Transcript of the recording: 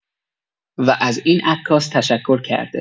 و از این عکاس تشکرکرده.